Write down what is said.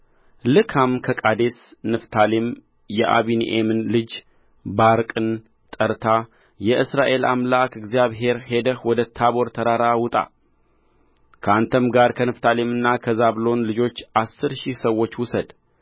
ልካም ከቃዴስ ንፍታሌም የአቢኒኤምን ልጅ ባርቅን ጠርታ የእስራኤል አምላክ እግዚአብሔር ሄደህ ወደ ታቦር ተራራ ውጣ ከአንተም ጋር ከንፍታሌምና ከዛብሎን ልጆች አሥር ሺህ ሰዎች ውሰድ